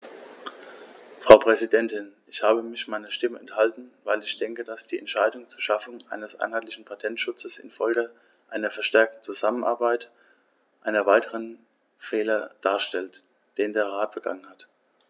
Frau Präsidentin, ich habe mich meiner Stimme enthalten, weil ich denke, dass die Entscheidung zur Schaffung eines einheitlichen Patentschutzes in Folge einer verstärkten Zusammenarbeit einen weiteren Fehler darstellt, den der Rat begangen hat.